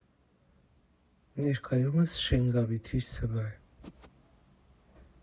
Ներկայումս Շենգավիթի Սբ.